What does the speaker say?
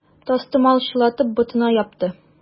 Тастымал чылатып, ботына япты.